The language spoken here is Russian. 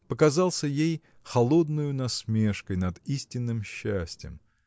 показался ей холодною насмешкой над истинным счастьем.